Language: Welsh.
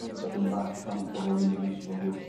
a dw'm yn dallt pam 'di pobol ddim yn i wisio fo fwy